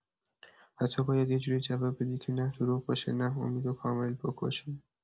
و تو باید یه جوری جواب بدی که نه دروغ باشه، نه امید رو کامل بکشه.